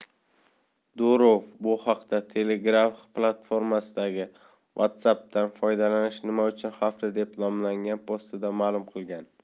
durov bu haqda telegraph platformasidagi whatsapp'dan foydalanish nima uchun xavfli deb nomlangan postida ma'lum qilgan